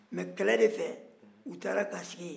mɛ kɛlɛ de fɛ u taara ka sigi yen